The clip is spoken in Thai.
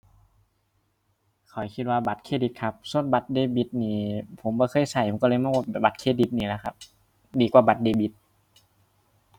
ข้อยคิดว่าบัตรเครดิตครับ ส่วนบัตรเดบิตนี่ผมบ่เคยใช้ ผมใช้เลย บัตรเครดิตนี่ล่ะครับ ดีกว่าบัตรเดบิต